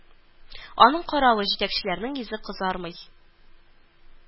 Аның каравы, җитәкчеләрнең йөзе кызармый